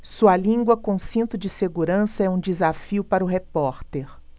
sua língua com cinto de segurança é um desafio para o repórter